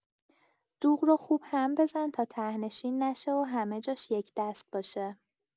دوغ رو خوب هم بزن تا ته‌نشین نشه و همه‌جاش یکدست باشه.